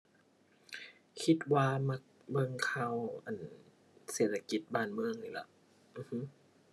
คิดว่ามักเบิ่งข่าว อั่น เศรษฐกิจบ้านเมืองนี่ล่ะ อือฮึ